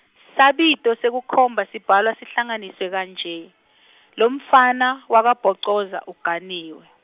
sabito sekukhomba sibhalwa sihlanganiswe kanje, lomfana, wakaBhocoza, uganiwe.